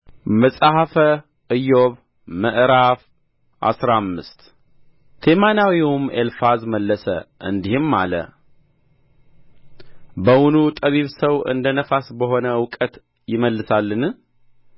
መጽሐፈ ኢዮብ ምዕራፍ አስራ አምስት ቴማናዊውም ኤልፋዝ መለሰ እንዲህም አለ በውኑ ጠቢብ ሰው እንደ ንፋስ በሆነ እውቀት ይመልሳልን